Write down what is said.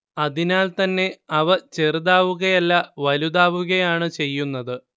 അതിനാൽത്തന്നെ അവ ചെറുതാവുകയല്ല വലുതാവുകയാണ് ചെയ്യുന്നത്